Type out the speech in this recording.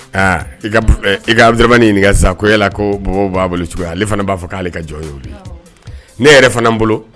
Aa i ka v ɲinika sa ko yala ko mɔgɔw b'a bolo cogoya ale fana b'a fɔ k'ale ka jɔn ye di ne yɛrɛ fana n bolo